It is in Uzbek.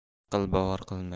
aql bovar qilmaydi